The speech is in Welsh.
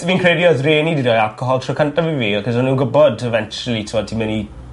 fi'n credu odd rieni 'di roi alcohol tro cyntaf i fi acos o'n nw'n gwbod eventually t'mod ti myn' i